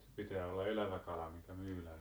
pitää olla elävä kala mikä myydään